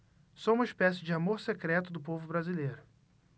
sou uma espécie de amor secreto do povo brasileiro